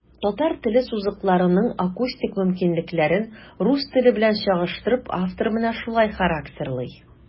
Татар теле сузыкларының акустик мөмкинлекләрен, рус теле белән чагыштырып, автор менә шулай характерлый.